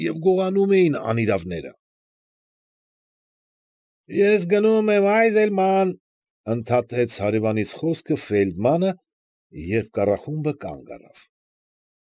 Եվ գողանում էին անիրավները։ ֊ Ես գնում եմ, Այզելման,֊ ընդհատեց հարևանիս խոսքը Ֆեյլդմանը, երբ կառախումբը կանգ առավ։